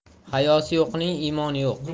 hayosi yo'qning imoni yo'q